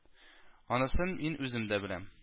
Анысын мин үзем дә беләм